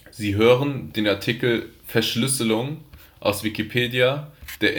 Sie hören den Artikel Verschlüsselung, aus Wikipedia, der